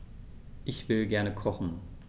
Ich will gerne kochen.